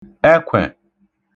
ẹkẇẹ̀